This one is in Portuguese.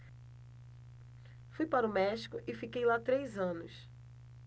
fui para o méxico e fiquei lá três anos